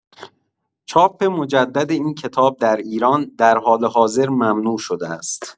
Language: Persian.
چاپ مجدد این کتاب در ایران در حال حاضر ممنوع شده است.